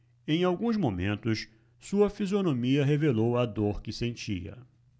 em alguns momentos sua fisionomia revelou a dor que sentia